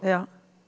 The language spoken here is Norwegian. ja.